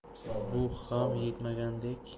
bu ham yetmagandek